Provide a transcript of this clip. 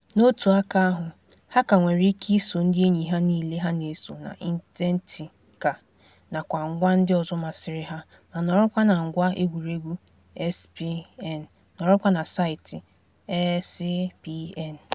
N'otu aka ahụ, ha ka nwere ike iso ndị enyi ha niile ha na-eso na Identi.ca nakwa ngwa ndị ọzọ masịrị ha, ma nọrọ kwa na ngwa egwuregwu ESPN, nọrọ kwa na saịtị ESPN.